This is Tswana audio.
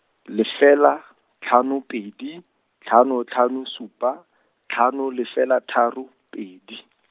lefela, tlhano pedi, tlhano tlhano supa, tlhano lefela tharo, pedi.